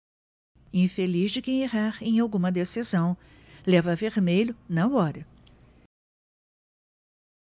infeliz de quem errar em alguma decisão leva vermelho na hora